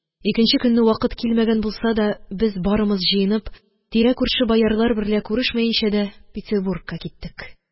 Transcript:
Икенче көнне вакыт килмәгән булса да, без барымыз җыенып, тирә-күрше боярлар берлә күрешмәенчә дә, Петербургка киттек.